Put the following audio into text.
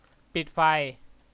ปิดไฟ